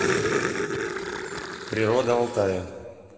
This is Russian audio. природа алтая